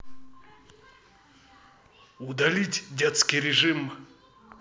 удалить детский режим